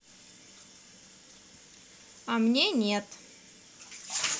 а мне нет